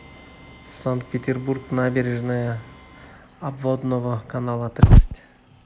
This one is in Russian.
санкт петербург набережная обводного канала тридцать